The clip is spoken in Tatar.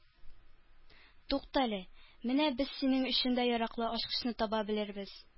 Туктале, менә без синең өчен дә яраклы ачкычны таба белербез